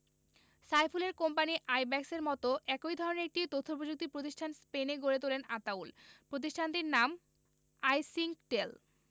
সাইফুলের কোম্পানি আইব্যাকসের মতো একই ধরনের একটি তথ্যপ্রযুক্তি প্রতিষ্ঠান স্পেনে গড়ে তোলেন আতাউল প্রতিষ্ঠানটির নাম আইসিংকটেল